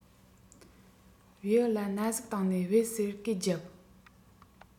བེའུ ལ ན ཟུག བཏང ནས སྦད ཟེར སྐད རྒྱབ